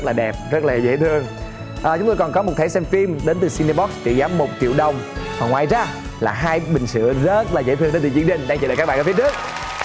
là đẹp rất là dễ thương ờ chúng tôi còn có thẻ xem phim đến từ xi ni bốc trị giá một triệu đồng và ngoài ra là hai bình sữa rất là dễ thương đến từ chương trình đang chờ đợi các bạn ở phía trước